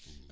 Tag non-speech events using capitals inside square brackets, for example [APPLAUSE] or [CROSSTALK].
[HESITATION] [HESITATION]